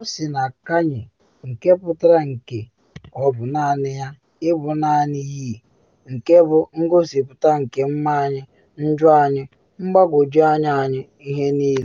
O si na Kanye, nke pụtara nke ọ bụ naanị ya, ịbụ naanị Ye - nke bụ ngosipụta nke mma anyị, njọ anyị, mgbagwoju anya anyị, ihe niile.